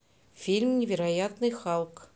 фильм невероятный халк